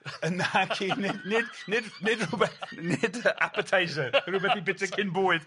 Yy naci nid nid nid rhwbeth nid appetizer rhwbeth i byta cyn bwyd